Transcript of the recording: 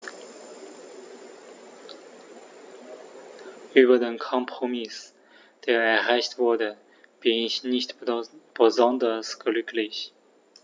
Über den Kompromiss, der erreicht wurde, bin ich nicht besonders glücklich.